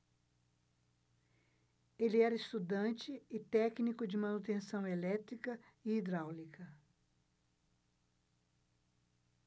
ele era estudante e técnico de manutenção elétrica e hidráulica